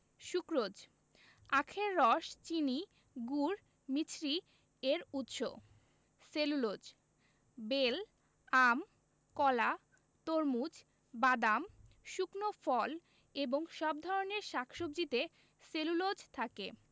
sucrose আখের রস চিনি গুড় মিছরি এর উৎস সেলুলোজ বেল আম কলা তরমুজ বাদাম শুকনো ফল এবং সব ধরনের শাক সবজিতে সেলুলোজ থাকে